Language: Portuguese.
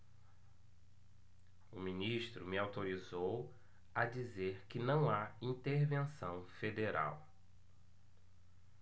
o ministro me autorizou a dizer que não há intervenção federal